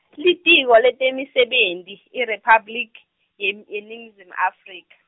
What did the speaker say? Litiko leTemisebenti, IRiphabliki, yen- yeNingizimu Afrika.